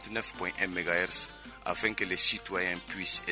9 point 1 mégawest afin que les citoyens puissent